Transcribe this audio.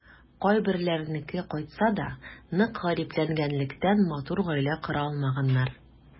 Кайберләренеке кайтса да, нык гарипләнгәнлектән, матур гаилә кора алмаганнар.